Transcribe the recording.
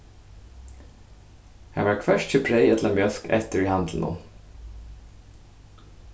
har var hvørki breyð ella mjólk eftir í handlinum